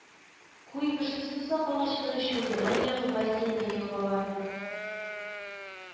Куйбышев сусаклагычының Чулман ягы бассейны елгалары